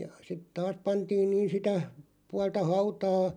ja sitten taas pantiin niin sitä puolta hautaan